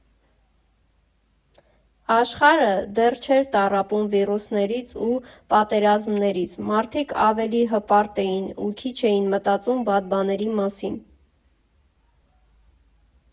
Աշխարհը դեռ չէր տառապում վիրուսներից ու պատերազմներից, մարդիկ ավելի հպարտ էին ու քիչ էին մտածում վատ բաների մասին։